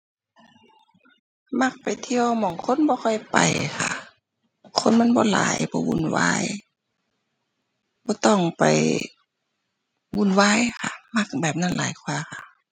มักไปเที่ยวหม้องคนบ่ค่อยไปค่ะ คนมันบ่หลาย บ่วุ่นวาย บ่ต้องไปวุ่นวายค่ะ มักแบบนั้นหลายกว่าค่ะ